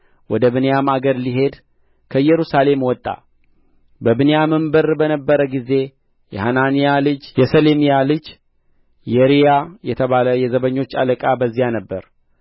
ወደ ብንያም አገር ሊሄድ ከኢየሩሳሌም ወጣ በብንያምም በር በነበረ ጊዜ የሐናንያ ልጅ የሰሌምያ ልጅ የሪያ የተባለ የዘበኞች አለቃ በዚያ ነበረ